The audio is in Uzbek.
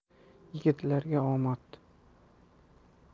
yigitlarga omad